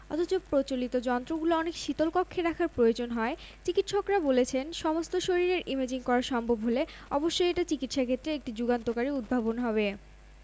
তাহমিনা সুলতানা মৌ ও মৌসুমী নাগ সম্প্রতি ঢাকার বিভিন্ন লোকেশনে এ তিন অভিনয়শিল্পী একসঙ্গে শুটিংও করেছেন নাটকটি প্রতি রোববার থেকে বুধবার রাত ৮টা ১৫ মিনিটে মাছরাঙা টিভিতে প্রচার হয়